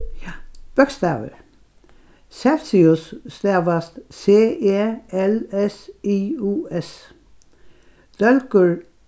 ja bókstavir celsius stavast c e l s i u s dólgur